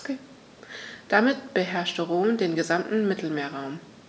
Damit beherrschte Rom den gesamten Mittelmeerraum.